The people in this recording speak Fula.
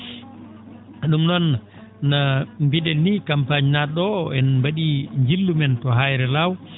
?um noon no mbi?en ni campagne naat?o oo en mba?ii njillu men to Ayre Law